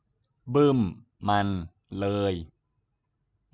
บึ้มมันเลย